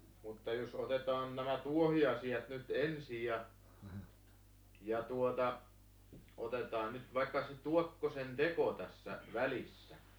mutta jos otetaan nämä tuohiasiat nyt ensin ja ja tuota otetaan nyt vaikka se tuokkosen teko tässä välissä